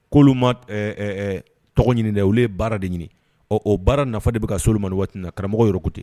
K’olu ma ɛɛ tɔgɔ ɲini dɛ k’olu ye baara de ɲini o baara nafa de bɛ ka se olu ma ni waati in na karamɔgɔw yɛrɛ ko ten